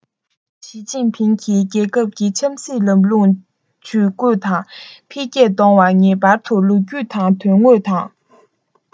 ཞིས ཅིན ཕིང གིས རྒྱལ ཁབ ཀྱི ཆབ སྲིད ལམ ལུགས ཇུས བཀོད དང འཕེལ རྒྱས གཏོང བར ངེས པར དུ ལོ རྒྱུས དང དོན དངོས དང